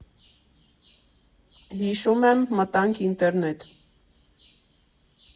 Հիշում եմ, մտանք ինտերնետ։